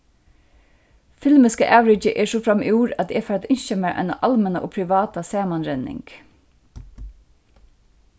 filmiska avrikið er so framúr at eg fari at ynskja mær eina almenna og privata samanrenning